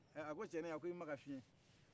a ko cɛnin yo a ko i ma ka fiyɛn